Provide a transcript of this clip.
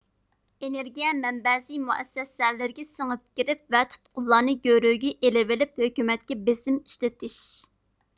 ئېنېرگىيە مەنبەسى مۇئەسسەسىلىرىگە سىڭىپ كىرىپ ۋە تۇتقۇنلارنى گۆرۈگە ئېلىۋېلىپ ھۆكۈمەتكە بېسىم ئىشلىتىش